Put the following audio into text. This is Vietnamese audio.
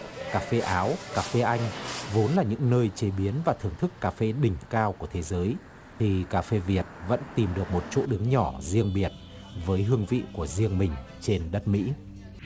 cà phê áo cà phê anh vốn là những nơi chế biến và thưởng thức cà phê đỉnh cao của thế giới thì cà phê việt vẫn tìm được một chỗ đứng nhỏ riêng biệt với hương vị của riêng mình trên đất mỹ